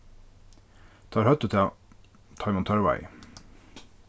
teir høvdu tað teimum tørvaði